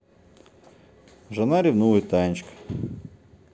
жена ревнует танечка